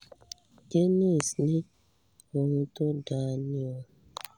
Jaynes ní “Ohun tó da ni o.”